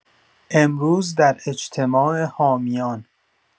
امروز در اجتماع حامیان